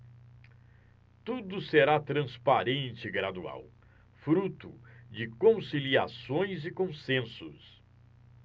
tudo será transparente e gradual fruto de conciliações e consensos